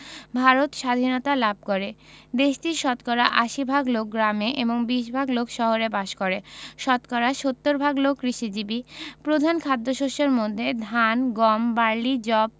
ভারত সাধীনতা লাভ করেদেশটির শতকরা ৮০ ভাগ লোক গ্রামে এবং ২০ ভাগ লোক শহরে বাস করেশতকরা ৭০ ভাগ লোক কৃষিজীবী প্রধান খাদ্যশস্যের মধ্যে ধান গম বার্লি যব